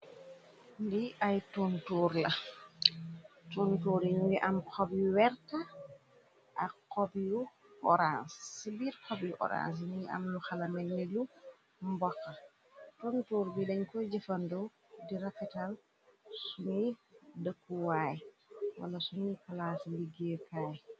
Li ay tontoor iñ i am xob yu wert ak xob yu orance ci biir xob yu orange nuy am lu xala megni lu mboxa tontoor bi dañ ko jëfando di rafital sunu dëkkuwaay wala sunu plaasi liggée kaay.